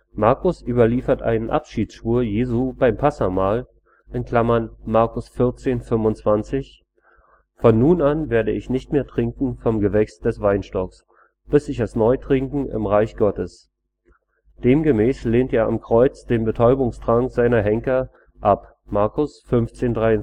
Markus überliefert einen Abschiedsschwur Jesu beim Passahmahl (Mk 14,25): „ Von nun an werde ich nicht mehr trinken vom Gewächs des Weinstocks, bis ich es neu trinke im Reich Gottes. “Demgemäß lehnt er am Kreuz den Betäubungstrank seiner Henker ab (Mk 15,23